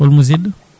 hol musidɗo